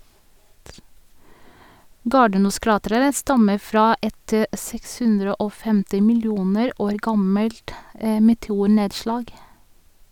Gardnoskrateret stammer fra et 650 millioner år gammelt meteornedslag.